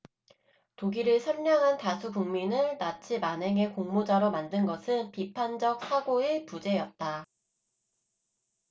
독일의 선량한 다수 국민을 나치 만행의 공모자로 만든 것은 비판적 사고의 부재였다